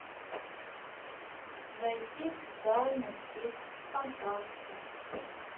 зайти в социальную сеть в контакте